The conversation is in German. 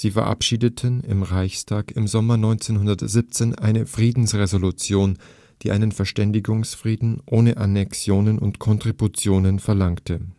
verabschiedeten im Reichstag im Sommer 1917 eine Friedensresolution, die einen Verständigungsfrieden ohne Annexionen und Kontributionen verlangte